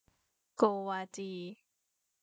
โกวาจี